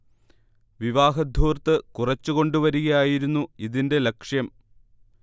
വിവാഹധൂർത്ത് കുറച്ച് കൊണ്ടു വരികയായിരുന്നു ഇതിന്റെ ലക്ഷ്യം